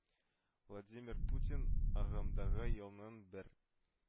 Владимир Путин, агымдагы елның бер